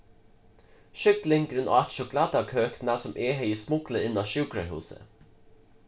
sjúklingurin át sjokulátakøkuna sum eg hevði smuglað inn á sjúkrahúsið